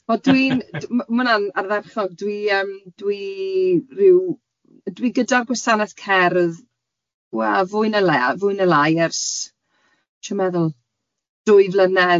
Wel dwi'n m- mahwnna'n ardderchog, dwi yym dwi rhyw dwi gyda'r gwasaneth cerdd, wel fwy neu le- fwy neu lai ers dwi'n meddwl dwy flynedd.